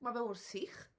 Ma fe mor sych.